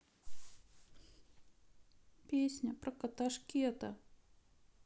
песня про кота шкета